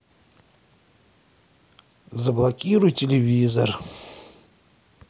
заблокируй телевизор